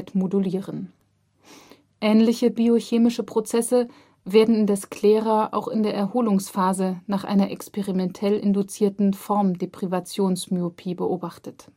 modulieren. Ähnliche biochemische Prozesse werden in der Sclera auch in der Erholungsphase nach einer experimentell induzierten Formdeprivationsmyopien beobachtet